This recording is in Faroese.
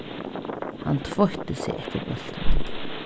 hann tveitti seg eftir bóltinum